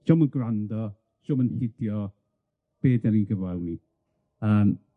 'Dio'm yn gwrando, diom yn hidio be' 'dan ni'n gyflawni. Yym.